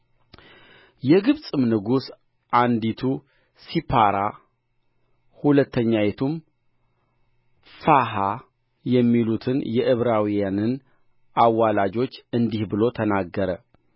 የግብፅም ንጉሥ አንዲቱ ሲፓራ ሁለተኛይቱም ፉሐ የሚባሉትን የዕብራውያንን አዋላጆች እንዲህ ብሎ ተናገረ